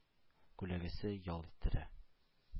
Күләгәсе ял иттерә